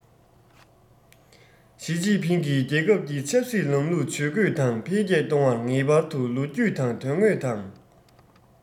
ཞིས ཅིན ཕིང གིས རྒྱལ ཁབ ཀྱི ཆབ སྲིད ལམ ལུགས ཇུས བཀོད དང འཕེལ རྒྱས གཏོང བར ངེས པར དུ ལོ རྒྱུས དང དོན དངོས དང